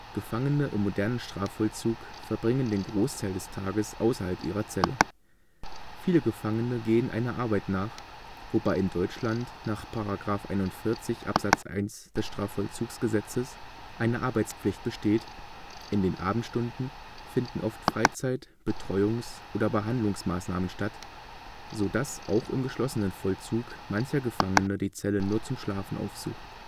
Gefangene im modernen Strafvollzug verbringen den Großteil des Tages außerhalb ihrer Zelle: Viele Gefangene gehen einer Arbeit nach, wobei in Deutschland nach § 41 Abs. 1 StVollzG eine Arbeitspflicht besteht, in den Abendstunden finden oft Freizeit -, Betreuungs - oder Behandlungsmaßnahmen statt, so dass auch im geschlossenen Vollzug mancher Gefangene die Zelle nur zum Schlafen aufsucht